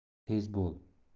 tez bo'l